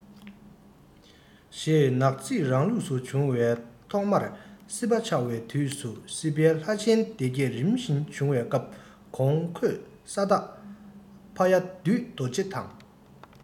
ཞེས ནག རྩིས རང ལུགས སུ བྱུང བའི ཐོག མར སྲིད པ ཆགས པའི དུས སུ སྲིད པའི ལྷ ཆེན སྡེ བརྒྱད རིམ བཞིན བྱུང བའི སྐབས གོང འཁོད ས བདག ཕ ཡ བདུད རྡོ རྗེ དང